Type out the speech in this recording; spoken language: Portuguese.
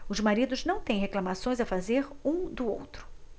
os maridos não têm reclamações a fazer um do outro